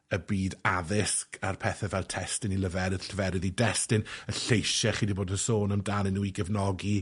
y byd addysg a'r pethe fel testun i leferydd lleferydd i destun y lleisie chi di bod yn sôn amdanyn nw i gefnogi